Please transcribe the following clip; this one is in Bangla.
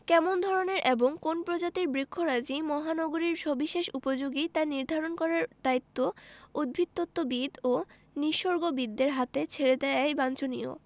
কেমন ধরনের এবং কোন্ প্রজাতির বৃক্ষরাজি মহানগরীর সবিশেষ উপযোগী তা নির্ধারণ করার দায়িত্ব উদ্ভিদতত্ত্ববিদ ও নিসর্গবিদদের হাতে ছেড়ে দেয়াই বাঞ্ছনীয়